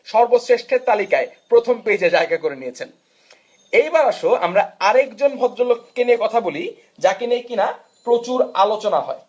সর্বশ্রেষ্ঠ তালিকার প্রথম পেইজে জায়গা করে নিয়েছেন এবার আসো আমরা আরেকজন ভদ্রলোকের কথা বলি জাকির নিয়ে কিনা প্রচুর আলোচনা হয়